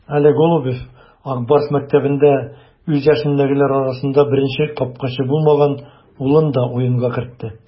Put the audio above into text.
Әле Голубев "Ак Барс" мәктәбендә үз яшендәгеләр арасында беренче капкачы булмаган улын да уенга кертте.